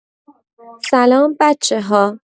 سلام بچه‌ها